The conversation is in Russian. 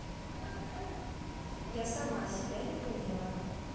я сама себя не поняла